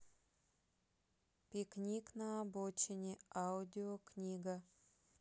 пикник на обочине аудиокнига